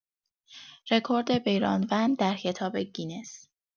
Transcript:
رکورد بیرانوند در کتاب گینس